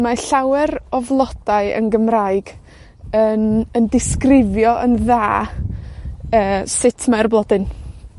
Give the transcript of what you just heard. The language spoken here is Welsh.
mae llawer o flodau yn Gymraeg yn, yn disgrifio yn dda, yy, sut mae'r flodyn.